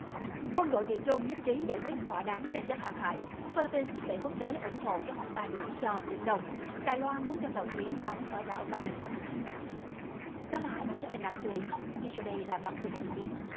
quân đội việt trung nhất trí giải quyết thỏa đáng tranh chấp hàng hải phi líp pin thúc đẩy quốc tế ủng hộ kế hoạch bà điểm cho biển đông đài loan muốn cho tàu chiến đóng ở đảo ba bình đó là một số tin đáng chú ý ngay sau đây là bản tin chi tiết